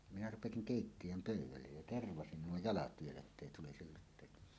minä rupesin keittiön pöydälle ja tervasin nuo jalat vielä että ei tulisi luteita